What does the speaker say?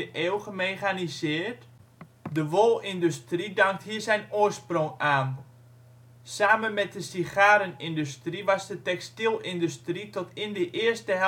eeuw gemechaniseerd, de wolindustrie dankt hier zijn oorsprong aan. Samen met de sigarenindustrie was de textielindustrie tot in de eerste